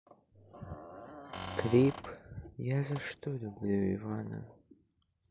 клип я за что люблю ивана